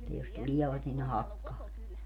että jos tulevat niin ne hakkaa ne